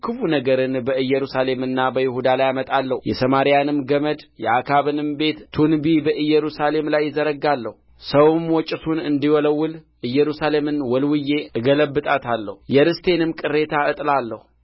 ክፉ ነገርን በኢየሩሳሌምና በይሁዳ ላይ አመጣለሁ የሰማርያንም ገመድ የአክዓብንም ቤት ቱንቢ በኢየሩሳሌም ላይ እዘረጋለሁ ሰውም ወጭቱን እንዲወለውል ኢየሩሳሌምን ወልውዬ እገለብጣታለሁ የርስቴንም ቅሬታ እጥላለሁ